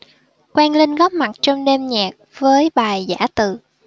quang linh góp mặt trong đêm nhạc với bài giã từ